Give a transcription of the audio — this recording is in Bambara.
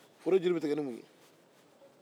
jele